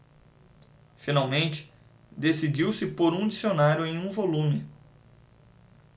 finalmente decidiu-se por um dicionário em um volume